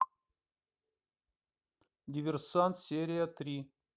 диверсант серия три